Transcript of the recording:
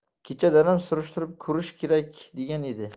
kecha dadam surishtirib ko'rish kerak degan edi